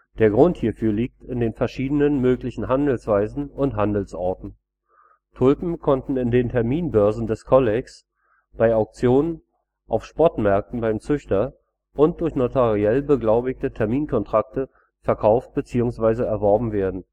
Der Grund hierfür liegt in den verschiedenen möglichen Handelsweisen und Handelsorten. Tulpen konnten in den Terminbörsen der Kollegs, bei Auktionen, auf Spotmärkten beim Züchter und durch notariell beglaubigte Terminkontrakte verkauft bzw. erworben werden